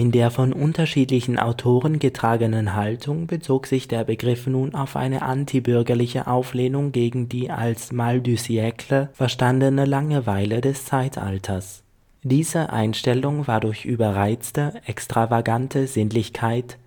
der von unterschiedlichen Autoren getragenen Haltung bezog sich der Begriff nun auf eine antibürgerliche Auflehnung gegen die als mal du siècle verstandene Langeweile des Zeitalters. Diese Einstellung war durch überreizte, extravagante Sinnlichkeit